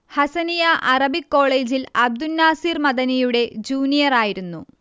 Hasaniya Arabic കോളേജിൽ അബ്ദുന്നാസിർ മദനിയുടെ ജൂനിയറായിരുന്നു